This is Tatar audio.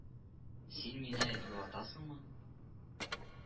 Син мине юатасыңмы